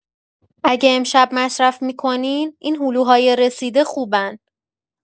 اگه امشب مصرف می‌کنین، این هلوهای رسیده خوبن.